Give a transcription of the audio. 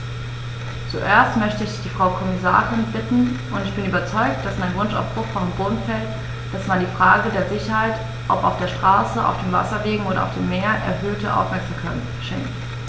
Zuerst möchte ich die Frau Kommissarin bitten - und ich bin überzeugt, dass mein Wunsch auf fruchtbaren Boden fällt -, dass man der Frage der Sicherheit, ob auf der Straße, auf den Wasserwegen oder auf dem Meer, erhöhte Aufmerksamkeit schenkt.